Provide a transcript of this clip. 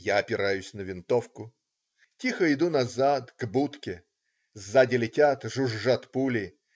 Я опираюсь на винтовку, тихо иду назад к будке. Сзади летят, жужжат пули.